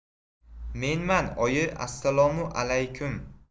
menman oyi assalomu alaykum